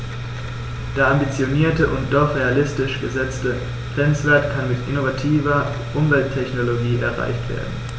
Der ambitionierte und doch realistisch gesetzte Grenzwert kann mit innovativer Umwelttechnologie erreicht werden.